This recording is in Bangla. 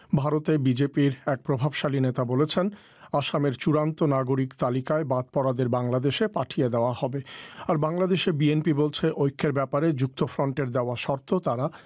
ভারতের এক বিজেপির এক প্রভাব শালী আমি নেতা বলেছেন আসামের চূড়ান্ত নাগরিক তালিকায় বাদ পড়া দের বাংলাদেশ পাঠিয়ে দেওয়া হবে আর বাংলাদেশ বিএনপি বলছে উইক এর ব্যাপারে যুক্তফ্রন্টের দেয়া শর্ত তারা